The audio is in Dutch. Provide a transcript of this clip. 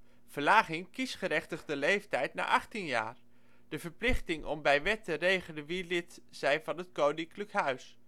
Verlaging kiesgerechtigde leeftijd naar 18 jaar; de verplichting om bij wet te regelen wie lid zijn van het koninklijk huis